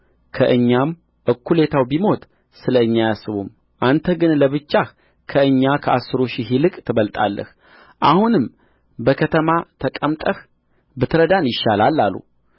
ከእኛም እኩሌታው ቢሞት ስለ እኛ አያስቡም አንተ ግን ለብቻህ ከእኛ ከአስሩ ሺህ ይልቅ ትበልጣለህ አሁንም በከተማ ተቀምጠህ ብትረዳን ይሻላል አሉ